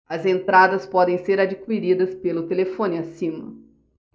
as entradas podem ser adquiridas pelo telefone acima